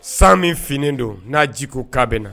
San min fini don n'a ji ko kabilana